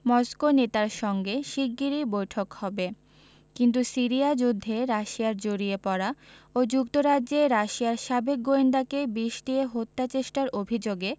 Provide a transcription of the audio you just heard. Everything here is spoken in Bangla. মস্কো নেতার সঙ্গে শিগগিরই বৈঠক হবে কিন্তু সিরিয়া যুদ্ধে রাশিয়ার জড়িয়ে পড়া ও যুক্তরাজ্যে রাশিয়ার সাবেক গোয়েন্দাকে বিষ দিয়ে হত্যাচেষ্টার অভিযোগে